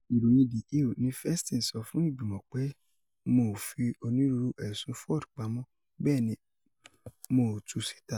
Ìròyìn The Hill ní Feinstein sọ fún ìgbìmọ̀ pé “Mo ‘ò fi onírúurú ẹ̀sùn Ford pamọ́, bẹ́ẹ̀ ni mo ‘ò tu síta.”